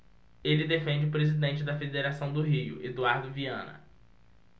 ele defende o presidente da federação do rio eduardo viana